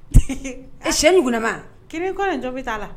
Sɛni kunnaba ke kɔɲɔ jɔn bɛ t' la